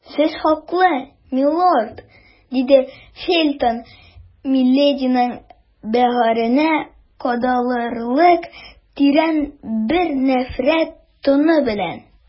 Сез хаклы, милорд, - диде Фельтон милединың бәгыренә кадалырлык тирән бер нәфрәт тоны белән.